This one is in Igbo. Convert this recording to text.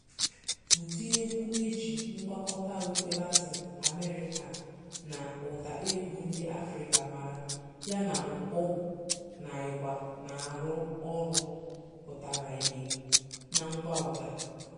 Ụdị egwu e ji ngwakọta ukwe Latin America na ụda egwu ndị Afrịka mara, yana ụbọ na ịgba na-arụ ọrụ pụtara ìhè na ngwaụda.